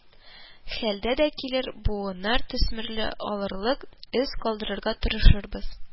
Хәлдә дә, килер буыннар төсмерли алырлык эз калдырырга тырышабыз